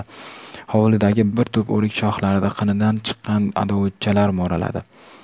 hovlidagi bir tup o'rik shoxlarida qinidan chiqqan dovuchchalar mo'raladi